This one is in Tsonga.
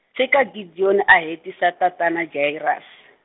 tshika Gideon a hetisa tatana Jairus.